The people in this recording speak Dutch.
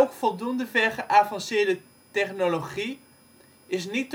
voldoende ver geavanceerde technologie is niet